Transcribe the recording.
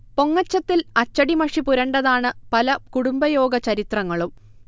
പൊങ്ങച്ചത്തിൽ അച്ചടിമഷി പുരണ്ടതാണ് പല കുടുംബയോഗ ചരിത്രങ്ങളും